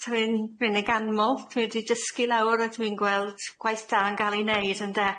Dwi'n- dwi'n 'i ganmol dwi 'di dysgu lawer a dwi'n gweld gwaith da'n gal'i neud ynde?